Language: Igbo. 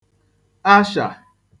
ashà